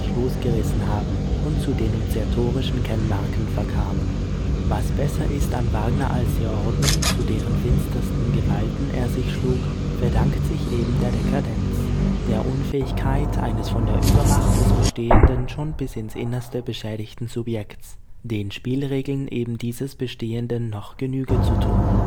losgerissen haben und zu denunziatorischen Kennmarken verkamen. Was besser ist an Wagner als die Ordnung, zu deren finstersten Gewalten er sich schlug, verdankt sich eben der Dekadenz, der Unfähigkeit eines von der Übermacht des Bestehenden schon bis ins Innerste beschädigten Subjekts, den Spielregeln eben dieses Bestehenden noch Genüge zu tun